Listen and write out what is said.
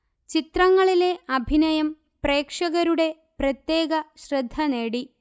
ചിത്രങ്ങളിലെ അഭിനയം പ്രേക്ഷകരുടെ പ്രത്യേക ശ്രദ്ധ നേടി